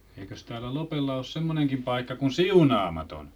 eikös täällä Lopella ole semmoinenkin paikka kuin Siunaamaton